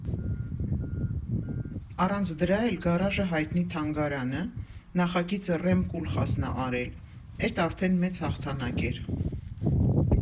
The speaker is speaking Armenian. Առանց դրա էլ «Գարաժը» հայտնի թանգարանը, նախագիծը Ռեմ Կուլխասն ա արել, էդ արդեն մեծ հաղթանակ էր։